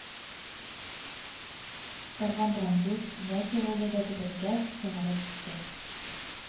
Барган драндус кинәт егылды да түбәнгә тәгәрәп китте